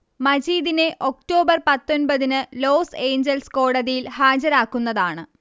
മജീദിനെ ഒക്ടോബർ പത്തൊൻപത്തിന് ലോസ് ഏയ്ജൽസ് കോടതിയിൽ ഹാജരാക്കുന്നതാണ്